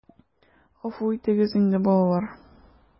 Гафу итегез инде, балалар...